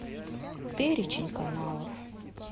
перечень каналов